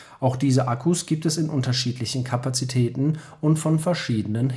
Auch diese Akkus gibt es in unterschiedlichen Kapazitäten und von verschiedenen